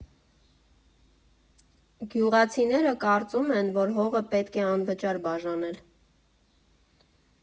Գյուղացիները կարծում են, որ հողը պետք է անվճար բաժանել։